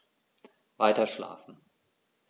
Weiterschlafen.